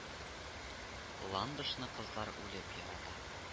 Ландышны кызлар үлеп ярата, м